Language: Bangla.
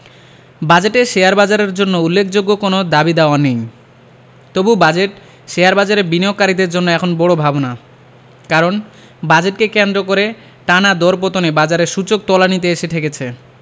বাজেটে শেয়ারবাজারের জন্য উল্লেখযোগ্য কোনো দাবিদাওয়া নেই তবু বাজেট শেয়ারবাজারে বিনিয়োগকারীদের জন্য এখন বড় ভাবনা কারণ বাজেটকে কেন্দ্র করে টানা দরপতনে বাজারের সূচক তলানিতে এসে ঠেকেছে